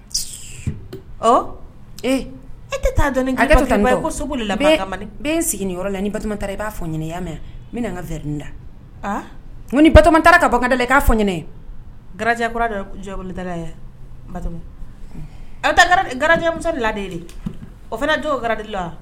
E tɛ taa dɔn labɛn sigi yɔrɔ la ni ba taara i b'a fɔ ɲinin mɛn n bɛ ka da ko ni ba taara ka banda i'a fɔ ɲininjɛjɛmuso lade o fana don odila